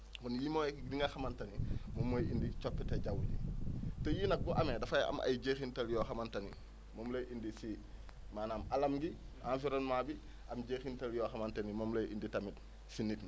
kon lii mooy li nga xamante ne moom mooy indi coppite jaww ji te yii nag bu amee dafay am ay jeexintal yoo xamante ni moom lay indi si maanaam alam bi environnement bi am jeexintal yoo xamante ni moom lay indi tamit si nit ñi